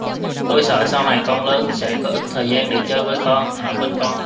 tôi sợ sau này con lớn sẽ có ít thời gian để chơi với con ở bên con